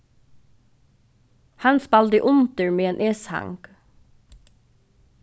hann spældi undir meðan eg sang